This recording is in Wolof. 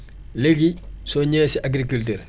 léegi soo ñëwee si agriculture